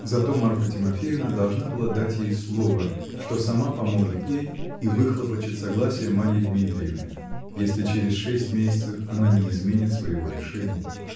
зато Марфа Тимофеевна должна была дать ей слово, что сама поможет ей и выхлопочет согласие Марьи Дмитриевны, если через шесть месяцев она не изменит своего решения.